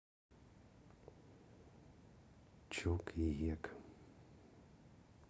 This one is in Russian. чук и гек